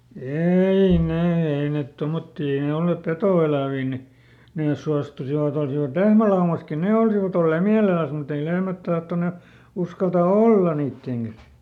ei ne ei ne tuommoisia ei ne olleet petoeläviä niin ne suostuisivat olisivat lehmälaumassakin ne olisivat olleet mielellään mutta ei lehmät tahtoneet uskaltaa olla niiden kanssa